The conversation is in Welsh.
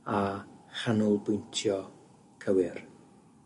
a chanolbwyntio cywir.